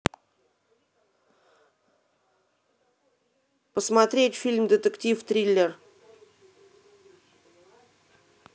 посмотреть фильм детектив триллер